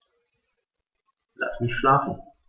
Lass mich schlafen